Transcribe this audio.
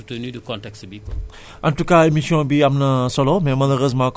donc mën nañ ne élevage vraiment ñu ngi ciy def tamit ay jéego yu bëri